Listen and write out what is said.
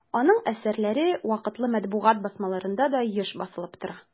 Аның әсәрләре вакытлы матбугат басмаларында да еш басылып тора.